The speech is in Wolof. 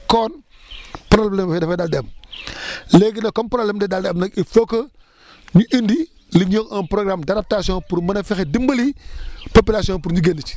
kon problème yooyu dafay daal di am léegi nag comme problème day daal di am nag il faut que ñu indi li ñuy wax un programme d' adaptation pour mën a fexe dimbali population pour ñu génn ci